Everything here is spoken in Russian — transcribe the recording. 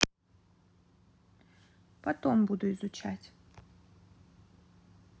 потом буду изучать